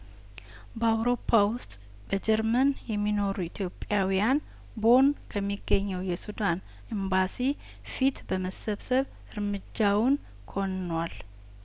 በአውሮፓ ውስጥ በጀርመን የሚኖሩ ኢትዮጵያውያን ቦን ከሚገኘው የሱዳን እምባ ሲፊት በመሰብሰብ እርምጃውን ኮንኗል